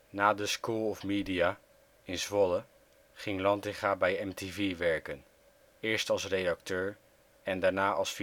Na de School of Media in Zwolle ging Lantinga bij MTV werken, eerst als redacteur en daarna als